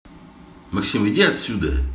максим иди сюда